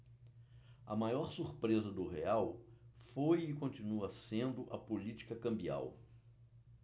a maior surpresa do real foi e continua sendo a política cambial